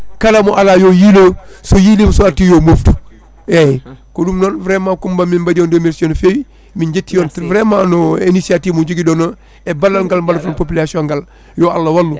kala mo ala yo yiiloyo so yilima so addi yo moftu eyyi ko ɗum ɗon vraiment Coumba min mbaɗi on remercier no fewi min jetti on vraiment no iniciative mo jogui ɗon o e ballal ngal ballo ton population ngal yo Allah wallu